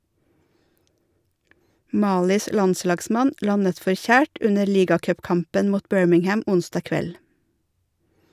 Malis landslagsmann landet forkjært under ligacupkampen mot Birmingham onsdag kveld.